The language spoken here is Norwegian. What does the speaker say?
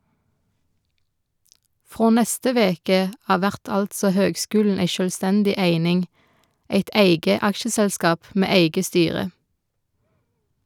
Frå neste veke av vert altså høgskulen ei sjølvstendig eining, eit eige aksjeselskap med eige styre.